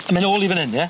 Yn myn' nôl i fan 'yn ie?